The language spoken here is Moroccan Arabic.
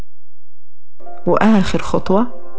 واخر خطوه